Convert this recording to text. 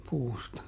puusta